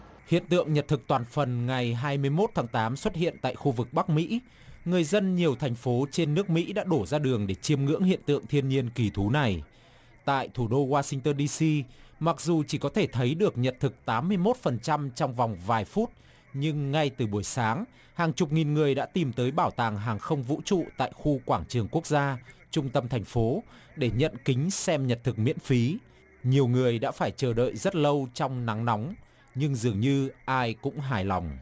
hiện tượng nhật thực toàn phần ngày hai mươi mốt tháng tám xuất hiện tại khu vực bắc mỹ người dân nhiều thành phố trên nước mỹ đã đổ ra đường để chiêm ngưỡng hiện tượng thiên nhiên kỳ thú này tại thủ đô goa sing tơn đi si mặc dù chỉ có thể thấy được nhật thực tám mươi mốt phần trăm trong vòng vài phút nhưng ngay từ buổi sáng hàng chục nghìn người đã tìm tới bảo tàng hàng không vũ trụ tại khu quảng trường quốc gia trung tâm thành phố để nhận kính xem nhật thực miễn phí nhiều người đã phải chờ đợi rất lâu trong nắng nóng nhưng dường như ai cũng hài lòng